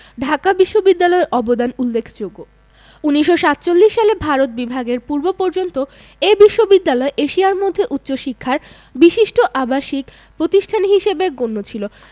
ঢাকা বিশ্ববিদ্যালয়ের অবদান উল্লেখযোগ্য ১৯৪৭ সালে ভারত বিভাগের পূর্বপর্যন্ত এ বিশ্ববিদ্যালয় এশিয়ার মধ্যে উচ্চশিক্ষার বিশিষ্ট আবাসিক প্রতিষ্ঠান হিসেবে গণ্য ছিল